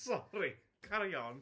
Sori, carry on.